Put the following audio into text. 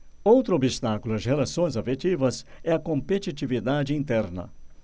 outro obstáculo às relações afetivas é a competitividade interna